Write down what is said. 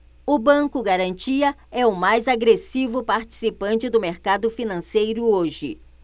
o banco garantia é o mais agressivo participante do mercado financeiro hoje